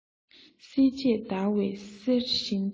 སྲེག བཅད བརྡར བའི གསེར བཞིན དུ